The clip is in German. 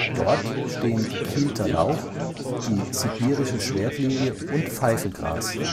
Dort stehen Gekielter Lauch, die Sibirische Schwertlilie und Pfeifengras